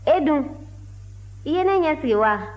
e dun i ye ne ɲɛsigi wa